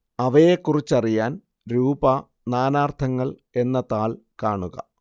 അവയെക്കുറിച്ചറിയാൻ രൂപ നാനാർത്ഥങ്ങൾ എന്ന താൾ കാണുക